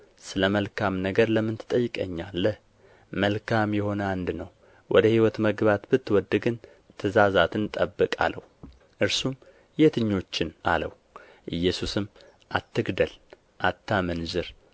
ስለ መልካም ነገር ለምን ትጠይቀኛለህ መልካም የሆነ አንድ ነው ወደ ሕይወት መግባት ብትወድ ግን ትእዛዛትን ጠብቅ አለው እርሱም የትኞችን አለው ኢየሱስም አትግደል አታመንዝር